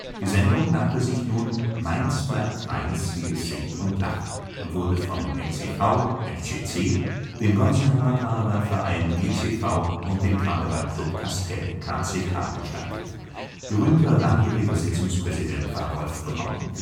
Die Sendung nannte sich nun „ Mainz bleibt Mainz, wie es singt und lacht “und wurde vom MCV, MCC, dem Gonsenheimer Carneval-Verein (GCV) und dem Karneval-Club Kastel (KCK) gestaltet. Berühmter langjähriger Sitzungspräsident war Rolf Braun